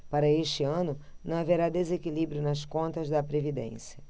para este ano não haverá desequilíbrio nas contas da previdência